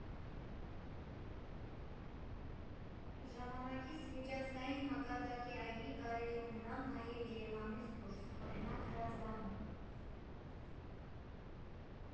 Ժամանակից, միջազգային մակարդակի այգի կարելի է ունենալ նաև Երևանից դուրս, օրինակ՝ Հրազդանում։